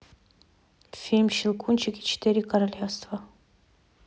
фильм щелкунчик и четыре королевства